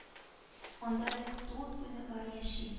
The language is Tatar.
Анда әле кду студентлары яши